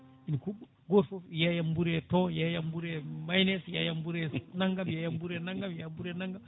ina kuɓɓa goto foof yeeyam buuru e ton yeeyam buuru e mayness yeyam buuru e naggam yeeyam buuru e naggam yeeyam buuru e naggam